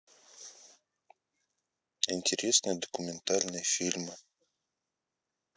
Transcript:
интересные документальные фильмы